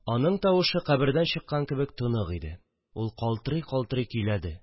Аның тавышы кабердән чыккан кебек тонык иде, ул калтырый-калтырый көйләде